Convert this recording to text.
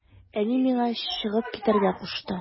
Әни миңа чыгып китәргә кушты.